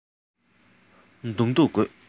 གདོང གཏུག དགོས